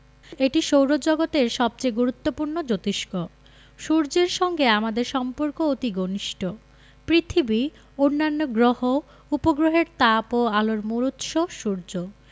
এটি সৌরজগতের সবচেয়ে গুরুত্বপূর্ণ জোতিষ্ক সূর্যের সঙ্গে আমাদের সম্পর্ক অতি ঘনিষ্ট পৃথিবী অন্যান্য গ্রহ উপগ্রহের তাপ ও আলোর মূল উৎস সূর্য